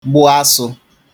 gbụ asụ̄